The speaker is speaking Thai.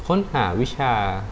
ค้นหาวิชา